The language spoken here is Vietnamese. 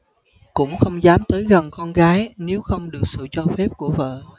cũng không dám tới gần con gái nếu không được sự cho phép của vợ